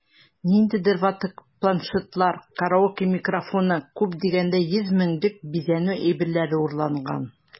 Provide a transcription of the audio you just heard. Ниндидер ватык планшетлар, караоке микрофоны(!), күп дигәндә 100 меңлек бизәнү әйберләре урлаганнар...